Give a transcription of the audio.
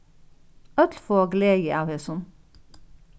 øll fáa gleði av hesum